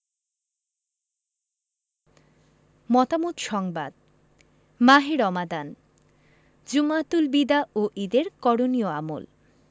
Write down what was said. মতামত সংবাদ মাহে রমাদান জুমাতুল বিদা ও ঈদের করণীয় আমল